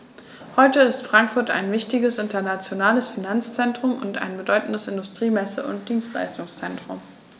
Heute ist Frankfurt ein wichtiges, internationales Finanzzentrum und ein bedeutendes Industrie-, Messe- und Dienstleistungszentrum.